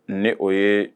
Ne o ye